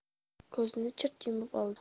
ko'zini chirt yumib oldi